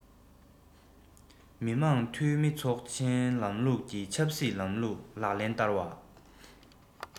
མི དམངས འཐུས མི ཚོགས ཆེན ལམ ལུགས ཀྱི ཆབ སྲིད ལམ ལུགས ལག ལེན བསྟར བ